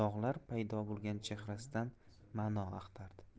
dog'lar paydo bo'lgan chehrasidan ma'no axtardi